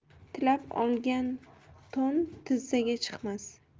tilab olgan to'n tizzaga chiqmas